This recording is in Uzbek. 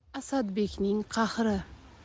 asadbekning qahri